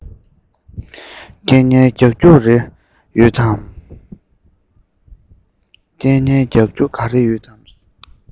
སྐད ངན རྒྱག རྒྱུ ག རེ ཡོད དམ